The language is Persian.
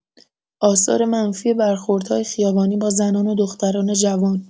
آثار منفی برخوردهای خیابانی با زنان و دختران جوان